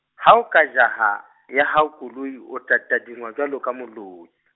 ha o ka jaha , hao koloi o tla tadingwa jwalo ka moloi.